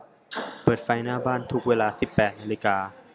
เปิดไฟหน้าบ้านทุกเวลาสิบแปดนาฬิกา